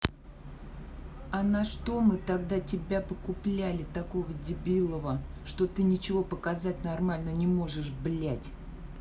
а на что мы тогда тебя покупляли такого дебилово что ты ничего показать нормально не можешь блять